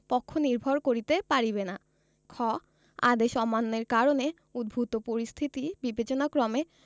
পক্ষ নির্ভর করিতে পারিবে না খ আদেশ অমান্যের কারণে উদ্ভুত পরিস্থিতি বিবেচনাক্রমে